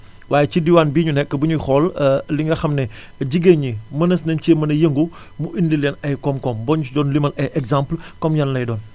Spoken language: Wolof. waaye ci diwaan bii ñu nekk bu ñuy xool li nga xam ne jigéen ñi mënees nañu cee mën a yëngu mu indil leen ay kom-kom boo ñu si doon limal ay exemples comme yan lay doon